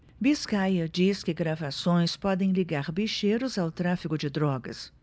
biscaia diz que gravações podem ligar bicheiros ao tráfico de drogas